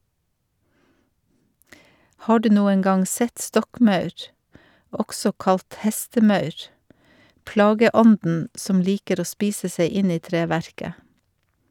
Har du noen gang sett stokkmaur, også kalt hestemaur, plageånden som liker å spise seg inn i treverket?